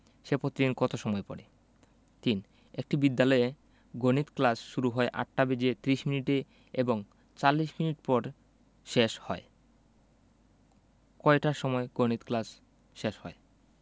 সে প্রতিদিন কত সময় পড়ে ৩ একটি বিদ্যালয়ে গণিত ক্লাস শুরু হয় ৮টা বেজে ৩০ মিনিটে এবং ৪০ মিনিট পর শেষ হয় কয়টার সময় গণিত ক্লাস শেষ হয়